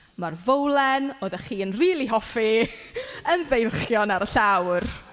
Ma'r fowlen oeddech chi'n rili hoffi yn ddeilchion ar y llawr.